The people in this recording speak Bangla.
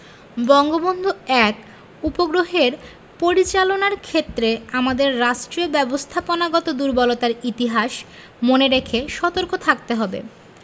বঙ্গবন্ধু ১ উপগ্রহের পরিচালনার ক্ষেত্রে আমাদের রাষ্ট্রীয় ব্যবস্থাপনাগত দূর্বলতার ইতিহাস মনে রেখে সতর্ক থাকতে হবে